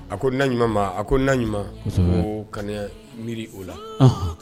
A ko na ɲuman ko na ɲuman ka miiri o la